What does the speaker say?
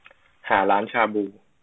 หาร้านชาบู